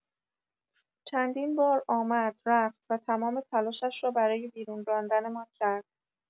چندین بار آمد رفت و تمام تلاشش را برای بیرون راندمان کرد.